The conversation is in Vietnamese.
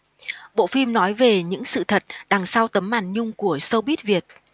bộ phim nói về những sự thật đằng sau tấm màn nhung của showbiz việt